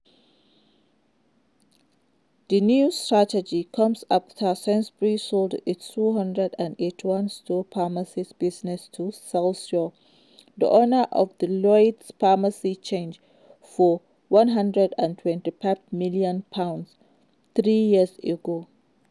The new strategy comes after Sainsbury's sold its 281-store pharmacy business to Celesio, the owner of the Lloyds Pharmacy chain, for £125m, three years ago.